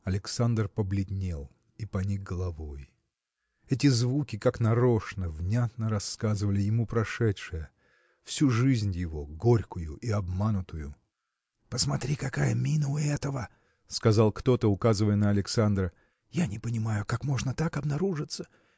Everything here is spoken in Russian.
Александр побледнел и поник головой. Эти звуки как нарочно внятно рассказывали ему прошедшее всю жизнь его горькую и обманутую. – Посмотри, какая мина у этого! – сказал кто-то указывая на Александра – я не понимаю как можно так обнаружиться